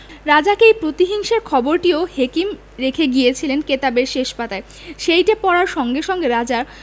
রাজাকে এই প্রতিহিংসার খবরটিও হেকিম রেখে গিয়েছিলেন কেতাবের শেষ পাতায় সেইটে পড়ার সঙ্গে সঙ্গে রাজা